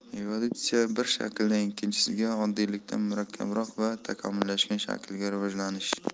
evolyutsiya bir shakldan ikkinchisiga oddiyilkdan murakkabroq va takomillashgan shaklga rivojlanish